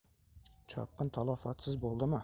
chopqin talafotsiz bo'ldimi